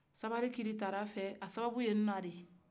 sabari kili tal'a fɛ a sababu ye na de ye